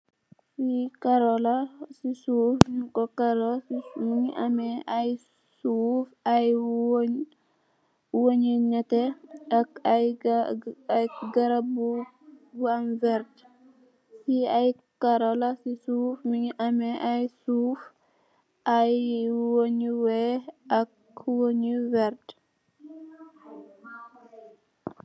Li karo la, ci suuf nyung ku karo. Mungi ame ay suuf, ay wuñ weex ak wuñ neteh, ak ay garap bu werta.